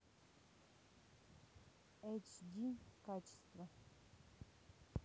эйчди качество